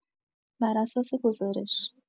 بر اساس گزارش